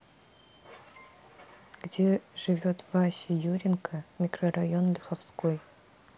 где живет вася юренко микрорайон лиховской